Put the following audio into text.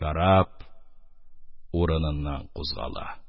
Караб урыныннан кузгала.